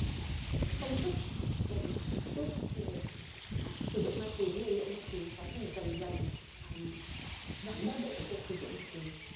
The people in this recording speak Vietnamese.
công thức để giúp người nghiện ma túy có thể dần dần giảm bớt được việc sử dụng ma túy và sống tích cực hơn